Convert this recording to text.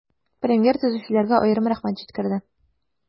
Премьер төзүчеләргә аерым рәхмәт җиткерде.